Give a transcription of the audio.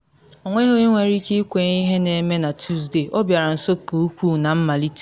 Ọnweghị onye nwere ike ịkwenye ihe na eme na Tusde, ọ bịara nso nke ukwu na mmalite.